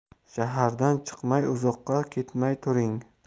shahardan chiqmay uzoqqa ketmay turing